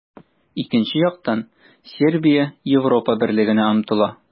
Икенче яктан, Сербия Европа Берлегенә омтыла.